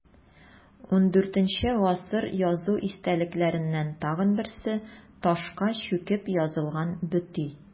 ХIV гасыр язу истәлекләреннән тагын берсе – ташка чүкеп язылган бөти.